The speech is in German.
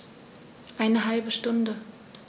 Eine halbe Stunde